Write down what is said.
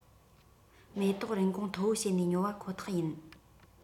མེ ཏོག རིན གོང མཐོ བོ བྱེད ནས ཉོ བ ཁོ ཐག ཡིན